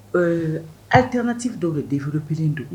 Ɛɛ ateana tɛ dɔw bɛ deoropere don